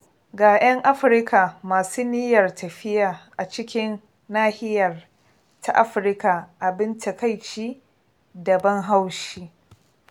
Ga 'yan Afrika masu niyyar tafiya a cikin nahiyar ta Afrika: Abin takaici da ban haushi